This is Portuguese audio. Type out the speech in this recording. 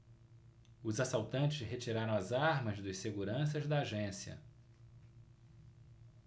os assaltantes retiraram as armas dos seguranças da agência